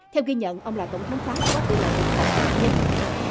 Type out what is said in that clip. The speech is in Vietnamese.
theo ghi nhận ông là tổng thống pháp có tỷ lệ ủng hộ thấp nhất